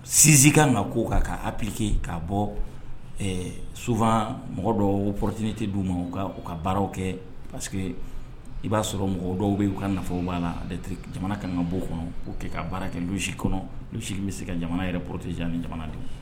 Sinsin ka na ko kan'a ppkike k'a bɔ sufa mɔgɔ dɔ poroteinite'u ma u ka baaraw kɛ parce que i b'a sɔrɔ mɔgɔw dɔw bɛ ka nafolo b' la jamana kan ka bɔ kɔnɔ' kɛ ka baara kɛjusi kɔnɔ olu sigilen bɛ se ka jamana yɛrɛ porote jan ni jamana don